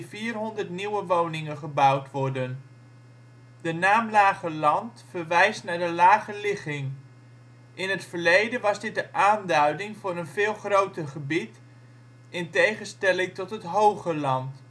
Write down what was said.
400 nieuwe woningen gebouwd worden. De naam Lageland verwijst naar de lage ligging. In het verleden was dit de aanduiding voor een veel groter gebied, in tegenstelling tot het Hogeland